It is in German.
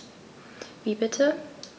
Wie bitte?